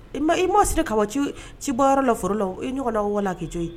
I ma i mua siri ka wa ci wi ci bɔyɔrɔ lɔ foro lɔ i ɲɔgɔnna u wala k'i to yen